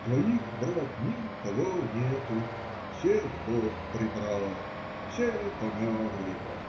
- Твоих, брат, никого нету, всех бог прибрал! Все померли.